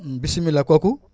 bisimilah kooku